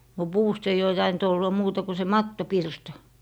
no puusta ei ole tainnut olla muuta kuin se mattopirta